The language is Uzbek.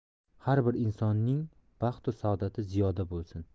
har bir insonning baxtu saodati ziyoda bo'lsin